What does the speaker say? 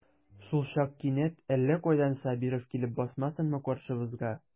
Шулчак кинәт әллә кайдан Сабиров килеп басмасынмы каршыбызга.